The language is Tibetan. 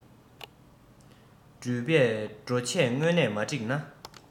འགྲུལ པས འགྲོ ཆས སྔོན ནས མ བསྒྲིགས ན